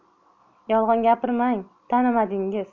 yolg'on gapirmang tanimadingiz